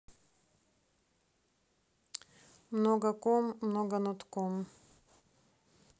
много ком много нот ком